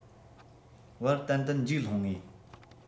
བར ཏན ཏན འཇིགས སློང ངེས